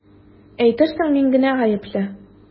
Әйтерсең мин генә гаепле!